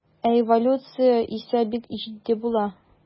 Ә эволюция исә бик җитди була.